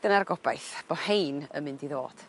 Dyna'r gobaith bo' rhein yn mynd i ddod.